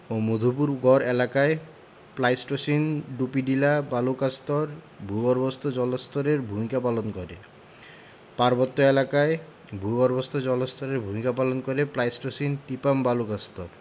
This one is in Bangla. ও মধুপুরগড় এলাকায় প্লাইসটোসিন ডুপি টিলা বালুকাস্তর ভূগর্ভস্থ জলস্তরের ভূমিকা পালন করে পার্বত্য এলাকায় ভূগর্ভস্থ জলস্তরের ভূমিকা পালন করে প্লাইসটোসিন টিপাম বালুকাস্তর